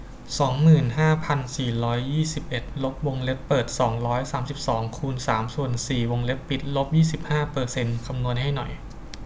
สองหมื่นห้าพันสี่ร้อยยี่สิบเอ็ดลบวงเล็บเปิดสองร้อยสามสิบสองคูณสามส่วนสี่วงเล็บปิดลบยี่สิบห้าเปอร์เซนต์คำนวณให้หน่อย